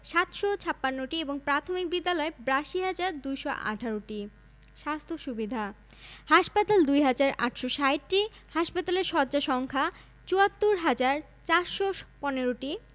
৭৫৬টি এবং প্রাথমিক বিদ্যালয় ৮২হাজার ২১৮টি স্বাস্থ্য সুবিধাঃ হাসপাতাল ২হাজার ৮৬০টি হাসপাতালের শয্যা সংখ্যা ৭৪হাজার ৪১৫টি